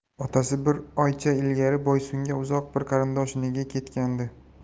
otasi bir oycha ilgari boysunga uzoq bir qarindoshinikiga ketgandi